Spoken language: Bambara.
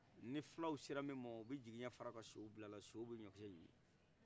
ni fila sera min ma ubi digiɲɛ fara ka sow bil'ala sow bi ɲɔkisɛ ɲimi